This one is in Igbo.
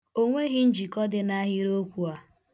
O nweghị njikọ dị n' ahịrịokwu a.